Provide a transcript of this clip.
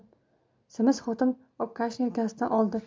semiz xotin obkashni yelkasidan oldi